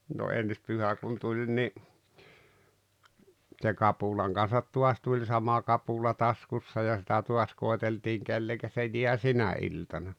no ensi pyhä kun tuli niin se kapulan kanssa taas tuli sama kapula taskussa ja sitä taas koeteltiin kenelle se jää sinä iltana